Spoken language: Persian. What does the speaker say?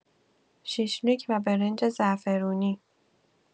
شیشلیک و برنج زعفرونی